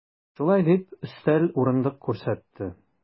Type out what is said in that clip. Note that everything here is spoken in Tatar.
Шулай дип, өстәл, урындык күрсәтте.